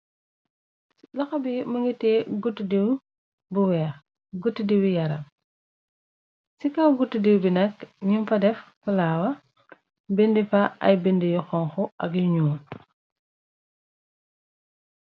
Laxa bi mëngitee gutt diw bu weex gutt diiwyu yara ci kaw guut diiw bi nakk num fa def fulaawa bind fa ay bind yu xonxu ak yunuo.